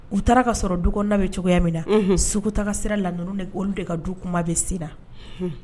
U taara ka sɔrɔ du kɔnɔ bɛ cogoya min na sugutaa sira la olu de ka du kuma bɛ sen na